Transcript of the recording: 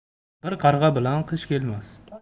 bir qarg'a bilan qish kelmas